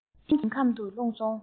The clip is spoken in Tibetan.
རྨི ལམ གྱི ཞིང ཁམས སུ ལྷུང སོང